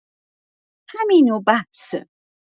همین و بس.